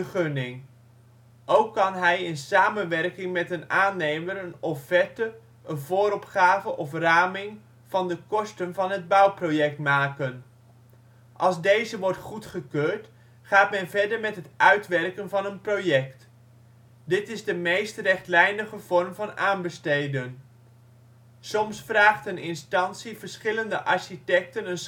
gunning. Ook kan hij in samenwerking met een aannemer een offerte, een vooropgave (of raming) van de kosten van het bouwproject maken. Als deze wordt goedgekeurd, gaat men verder met het uitwerken van een project. Dit is de meest rechtlijnige vorm van aanbesteden. Soms vraagt een instantie verschillende architecten